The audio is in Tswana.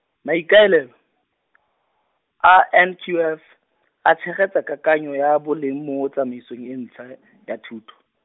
maikaelelo , a N Q F , a tshegetsa kakanyo ya boleng mo tsamaisong e ntšha , ya thuto.